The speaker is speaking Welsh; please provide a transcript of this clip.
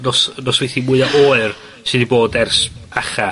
...nos- nosweithi mwya oer sy 'di bod ers acha.